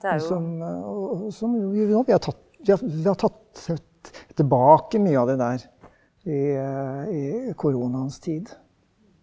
og som og som vi har tatt vi har tatt tilbake mye av det der i i koronaens tid.